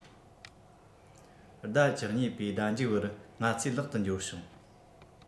ཟླ ༡༢ པའི ཟླ མཇུག བར ང ཚོས ལག ཏུ འབྱོར བྱུང